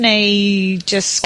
Neu jys...